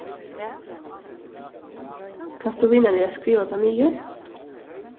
kanst tú vinarliga skriva tað niður